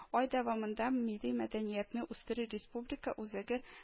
Ай дәвамында Милли мәдәниятне үстерү республика үзәге